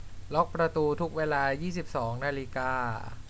ล็อคประตูทุกเวลายี่สิบสองนาฬิกา